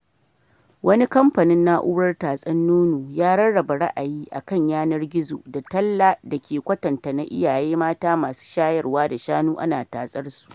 Wani kamfanin Nau’rar tatsar nono ya rarraba ra'ayi a kan yanar gizo da talla dake kwatanta na iyaye mata masu shayarwa da shanu ana tatsan su.